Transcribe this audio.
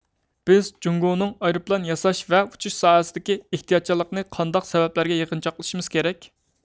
بىز جوگڭونىڭ ئايروپىلان ياساش ۋە ئۇچۇش ساھەسىدىكى ئېھتىياتچانلىقىنى قانداق سەۋەبلەرگە يىغىنچاقلىشىمىز كېرەك